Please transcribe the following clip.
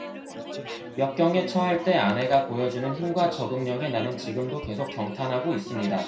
역경에 처할 때 아내가 보여 주는 힘과 적응력에 나는 지금도 계속 경탄하고 있습니다